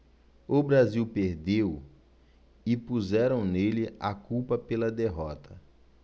o brasil perdeu e puseram nele a culpa pela derrota